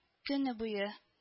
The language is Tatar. Көне буе